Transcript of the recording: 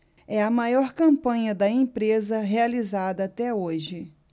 é a maior campanha da empresa realizada até hoje